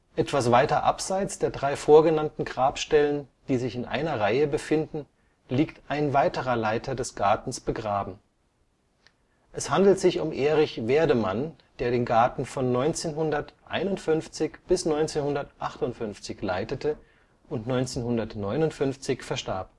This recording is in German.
Etwas weiter abseits der drei vorgenannten Grabstellen, die sich in einer Reihe befinden, liegt ein weiterer Leiter des Gartens begraben. Es handelt sich um Erich Werdemann, der den Garten von 1951 bis 1958 leitete und 1959 verstarb